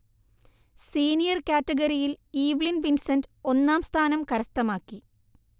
senior കാറ്റഗറിയിൽ Evelyn Vincent ഒന്നാം സ്ഥാനം കരസ്ഥമാക്കി